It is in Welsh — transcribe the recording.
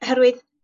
Oherwydd